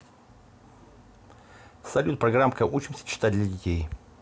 салют программка учимся читать для детей